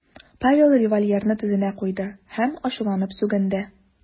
Павел револьверны тезенә куйды һәм ачуланып сүгенде .